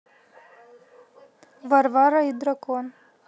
варвара и дракон